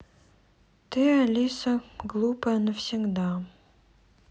ты алиса глупая навсегда